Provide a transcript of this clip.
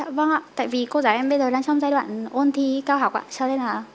dạ vâng ạ tại vì cô giáo em bây giờ đang trong giai đoạn ôn thi cao học ạ cho nên là